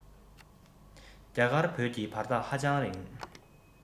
རྒྱ གར བོད ཀྱི བར ཐག ཧ ཅང རིང